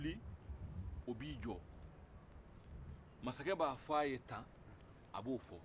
o bɛ wuli o b'i jɔ masakɛ b'a fɔ ye ta a b'o fɔ